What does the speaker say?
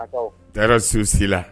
tɔɔrɔ t'u si la